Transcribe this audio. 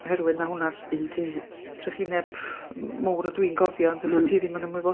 Oherwydd 'na hwnna'r... yndy... trychineb mawr ydwi'n gofio, ond fysa ti ddim yn ymwybodol.